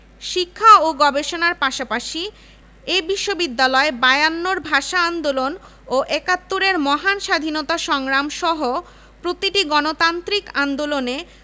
ইউনানি ও আর্য়ুবেদিকসহ চিকিৎসা বিজ্ঞান ৪টি গার্হস্থ্য অর্থনীতি এবং ৯টি প্রকৌশল ও প্রযুক্তি বিষয়ে ডিগ্রি প্রদান করা হয়